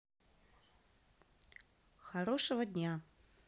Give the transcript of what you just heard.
хорошего дня